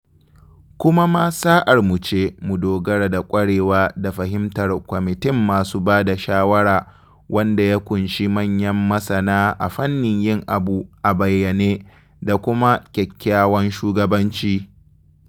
Kuma ma sa'armu ce mu dogara da kwarewa da fahimtar kwamitin masu ba da shawara wanda ya ƙunshi manyan masana a fannin yin abu a bayyane da kuma kyakkyawan shugabanci.